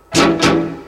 T